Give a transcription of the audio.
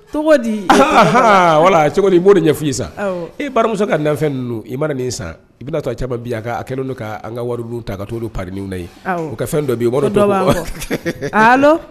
Tobo di h h wala cogo i b'ofin i sa e baramuso ka danfɛn don i ma nin san i bɛna cɛba bi a kɛlen don k'an ka warilu ta ka to don pa na ye o ka fɛn dɔ bi o